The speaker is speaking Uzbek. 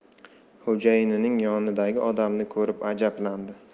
xo'jayinining yonidagi odamni ko'rib ajablandi